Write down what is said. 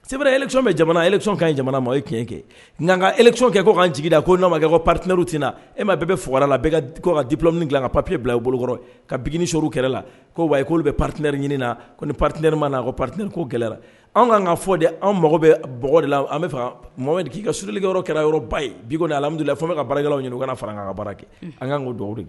Sɛbɛn e ka jamana ma o ye tiɲɛ kɛ nka'an ka e kɛ' ka jiginda ko'makɛ ko ptiterw tiinana e ma bɛɛ bɛugra la ka di min dilan ka p papiye bila' bolokɔrɔ ka s kɛra la ko wa ye' olu bɛ patiinari ɲini na ko ni pati na ko p patiini k' gɛlɛla an ka kan ka fɔ de an mago bɛ bo de la an bɛ k'i ka solikɛ yɔrɔ kɛra yɔrɔ ba ye' amidila fo bɛ ka baaralaw ɲini ka fara ka baara kɛ an ka ko dugawudi